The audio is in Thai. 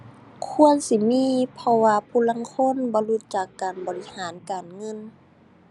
ควรสิมี เพราะว่าผู้ลางคนบ่รู้จักการบริหารการเงิน